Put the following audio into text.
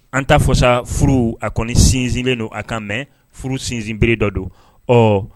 An' fɔsa furu a kɔni sinsin bɛ n don a kan mɛn furu sinsinbere dɔ don ɔ